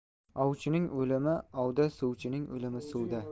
ovchining o'limi ovda suvchining o'limi suvda